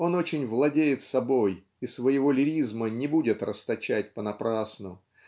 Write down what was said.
он очень владеет собой и своего лиризма не будет расточать понапрасну.